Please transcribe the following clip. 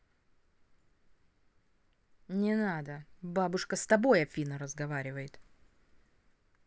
не надо бабушка с тобой афина разговаривает